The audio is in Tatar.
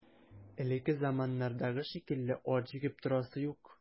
Элекке заманнардагы шикелле ат җигеп торасы юк.